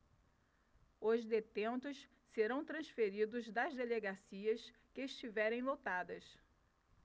os detentos serão transferidos das delegacias que estiverem lotadas